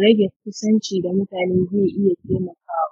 rage kusanci da mutane zai iya taimakawa.